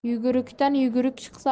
yugurukdan yuguruk chiqsa